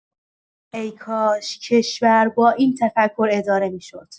ای‌کاش کشور با این تفکر اداره می‌شد.